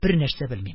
Бернәрсә белмим.